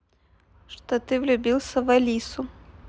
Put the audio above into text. что ты влюбился в алису